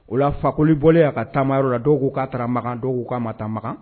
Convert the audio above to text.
O la fakoli bɔ y'a ka taamayɔrɔ la dɔw k ka ta dɔw'u kaa ma tan